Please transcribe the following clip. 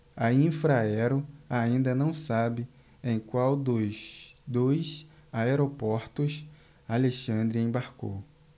a infraero ainda não sabe em qual dos dois aeroportos alexandre embarcou